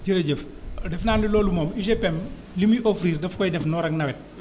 jërëjëf defenaa ne loolu moom UGPM li muy offrir daf koy def noor ak nawet